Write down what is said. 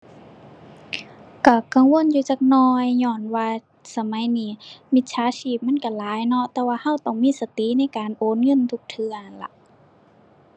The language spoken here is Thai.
ก็กังวลอยู่จักหน่อย ญ้อนว่าสมัยนี้มิจฉาชีพมันก็หลายเนาะ แต่ว่าก็ต้องมีสติในการเงินทุกเทื่อนั่นล่ะ